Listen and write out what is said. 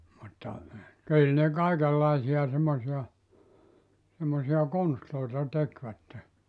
mutta kyllä ne kaikenlaisia semmoisia semmoisia konsteja tekivät